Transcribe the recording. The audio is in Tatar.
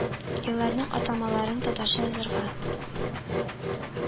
Елларның атамаларын татарча язарга